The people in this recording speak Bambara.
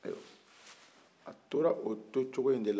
ayiwa a tora o to cogo in de la